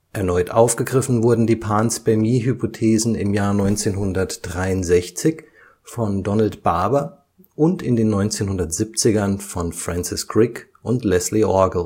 Erneut aufgegriffen wurden die Panspermie-Hypothesen 1963 von Donald Barber und in den 1970ern von Francis Crick und Leslie Orgel